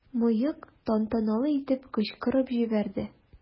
"мыек" тантаналы итеп кычкырып җибәрде.